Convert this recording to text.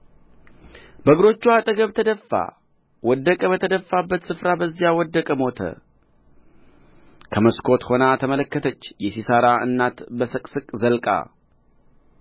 በእግሮችዋ አጠገብ ተደፋ ወደቀ በተደፋበት ስፍራ በዚያ ወድቆ ሞተ ከመስኮት ሆና ተመለከተች የሲሣራ እናት በሰቅሰቅ ዘልቃ ስለ ምን ለመምጣት ሰረገላው ዘገየ